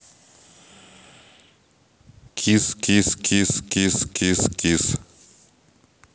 кис кис кис кис кис кис